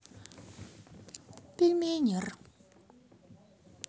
пельмени р